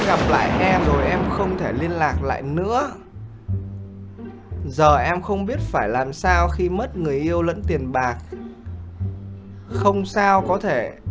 gặp lại em rồi em không thể liên lạc lại nữa giờ em không biết phải làm sao khi mất người yêu lẫn tiền bạc không sao có thể